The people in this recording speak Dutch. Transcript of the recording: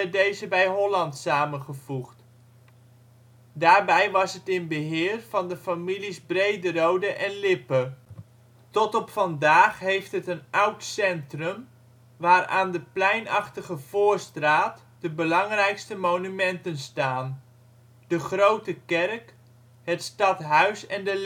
deze bij Holland samengevoegd. Daarbij was het in beheer van de families Brederode en Lippe. Tot op vandaag heeft het een oud centrum, waar aan de pleinachtige Voorstraat de belangrijkste monumenten staan: de Grote Kerk, het Stadhuis en de